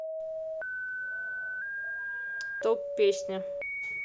топ песня